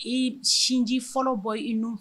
I sinji fɔlɔ bɔ iun